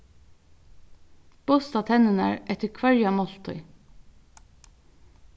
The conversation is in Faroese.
busta tenninar eftir hvørja máltíð